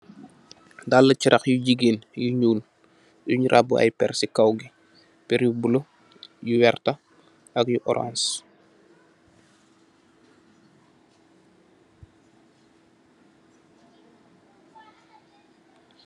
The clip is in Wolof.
Dalli jarax yu gigeen yu ñuul , yun rabu ay péér ci kaw gi, péér yu bula, yu werta ak yu orans .